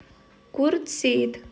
курт сеит